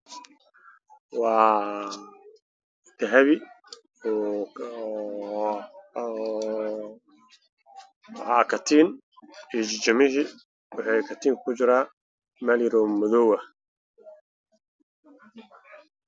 Waa katiin midabkiisu yahay dahab jijin ah